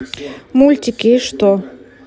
мультики и что